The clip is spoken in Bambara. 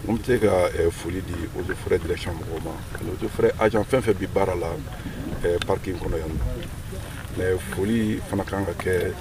N bɛ se ka foli di o d mɔgɔw ma a jan fɛn fɛn bɛ baara la paki in kɔnɔ yan foli fana ka kan ka kɛ